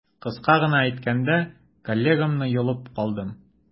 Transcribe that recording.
Кыска гына әйткәндә, коллегамны йолып калдым.